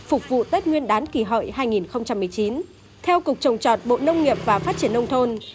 phục vụ tết nguyên đán kỷ hợi hai nghìn không trăm mười chín theo cục trồng trọt bộ nông nghiệp và phát triển nông thôn